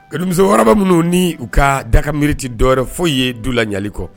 Kolon minnu ni u ka dagaka miiriti dɔwɛrɛ fɔ ye du la ɲali kɔ